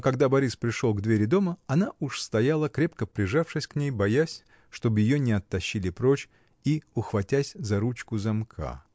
но когда Борис пришел к двери дома, она уж стояла, крепко прижавшись к ней, боясь, чтоб ее не оттащили прочь, и ухватясь за ручку замка.